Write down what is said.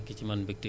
depuis Djolof